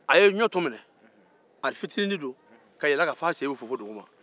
a ye ɲɔɔtɔ minɛ a fitiini do fɔ a sen bɛ fofo duguma